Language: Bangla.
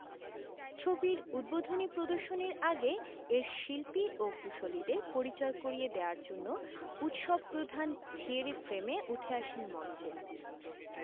ছবির উদ্বোধনী প্রদর্শনীর আগে এর শিল্পী ও কুশলীদের পরিচয় করিয়ে দেওয়ার জন্য উৎসব প্রধান থিয়েরি ফ্রেমে উঠে আসেন মঞ্চে